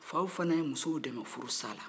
faw fɛnɛ ye musow dɛnmɛ furusa la